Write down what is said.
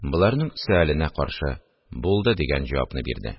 Боларның сөаленә каршы: – Булды! – дигән җавапны бирде